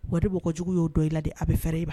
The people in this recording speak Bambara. Wa ni mɔgɔ jugu yo dɔn i la dɛ, a bi fɛrɛ i ma.